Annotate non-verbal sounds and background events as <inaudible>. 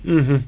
<hesitation> <hesitation>